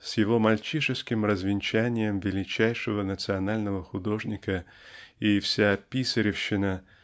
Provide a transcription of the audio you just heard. с его мальчишеским развенчанием величайшего национального художника и вся писаревщина